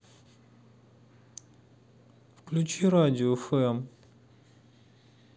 включи радио фм